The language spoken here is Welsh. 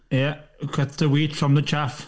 Ie, cut the wheat from the chaff.